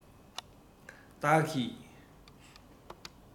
བདག གིས